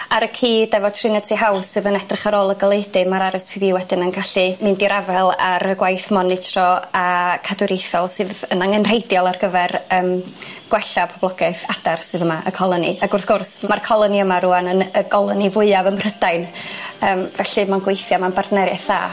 ar y cyd efo Trinity House sydd yn edrych ar ôl y goleudy ma'r ar es pi bi wedyn yn gallu mynd i'r afel ar y gwaith monitro a cadwreithiol sydd yn angenrheidiol ar gyfer yym gwella poblogaeth adar sydd yma y coloni ac wrth gwrs ma'r coloni yma rŵan yn y goloni fwyaf ym Mhrydain yym felly ma'n gwithio ma'n bartneriaeth dda.